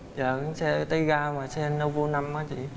dạ xe tay ga mà xe lâu năm á chị